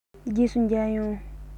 རྗེས སུ མཇལ ཡོང